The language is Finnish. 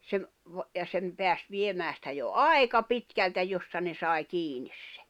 se -- ja sen pääsi viemään sitä jo aika pitkältä jossa ne sai kiinni se